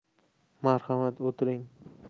marhamat o'tiring